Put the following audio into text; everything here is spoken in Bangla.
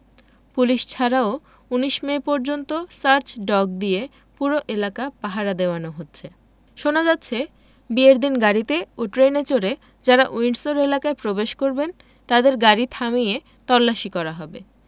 পুলিশ ছাড়াও ১৯ মে পর্যন্ত সার্চ ডগ দিয়ে পুরো এলাকা পাহারা দেওয়ানো হচ্ছে শোনা যাচ্ছে বিয়ের দিন গাড়িতে ও ট্রেনে চড়ে যাঁরা উইন্ডসর এলাকায় প্রবেশ করবেন তাঁদের গাড়ি থামিয়ে তল্লাশি করা হবে